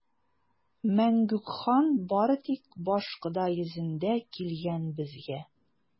Мәңгүк хан бары тик башкода йөзендә килгән безгә!